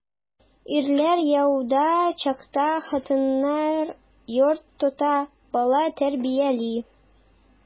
Ирләр яуда чакта хатыннар йорт тота, бала тәрбияли.